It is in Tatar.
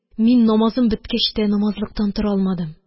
Мин намазым беткәч тә намазлыктан тора алмадым